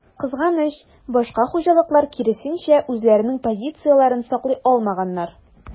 Кызганыч, башка хуҗалыклар, киресенчә, үзләренең позицияләрен саклый алмаганнар.